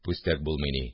Пүстәк булмый ни